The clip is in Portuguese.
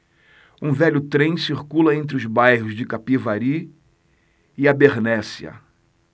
um velho trem circula entre os bairros de capivari e abernéssia